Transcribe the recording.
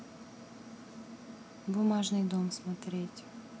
бумажный дом смотреть